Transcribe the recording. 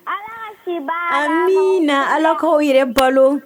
Ala se min na ala k'aw yɛrɛ balo